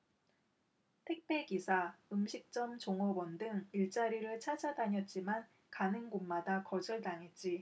택배 기사 음식점 종업원 등 일자리를 찾아다녔지만 가는 곳마다 거절당했지